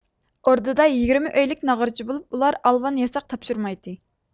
ئوردىدا يىگىرمە ئۆيلۈك ناغرىچى بولۇپ بۇلار ئالۋان ياساق تاپشۇرمايتتى